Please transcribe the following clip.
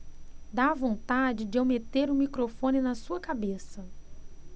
dá vontade de eu meter o microfone na sua cabeça